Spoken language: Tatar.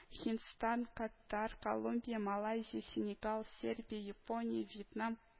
Һиндстан, Катар, Колумбия, Малайзия, Сенегал, Сербия, Япония, Вьетнам